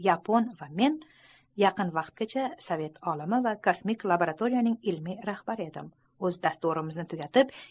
yapon va men yaqin vaqtgacha sovet olimi va kosmik laboratoriyaning ilmiy rahbari o'z dasturimizni tugatib